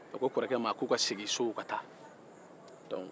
a ko kɔrɔkɛ ma k'u ka segin ka taa so